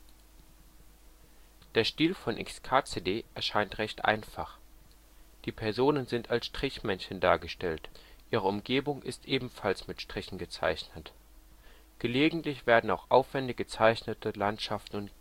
Stil von xkcd erscheint recht einfach. Die Personen sind als Strichmännchen dargestellt, ihre Umgebung ebenfalls mit Strichen gezeichnet. Gelegentlich werden auch aufwendig gezeichnete Landschaften